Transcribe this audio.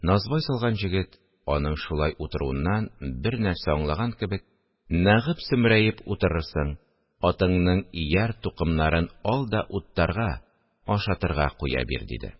Насвай салган җегет, аның шулай утыруыннан бернәрсә аңлаган кебек: – Нәгып сөмрәеп утырырсың, атыңның ияр-тукымнарын ал да уттарга (ашатырга) куя бир, – диде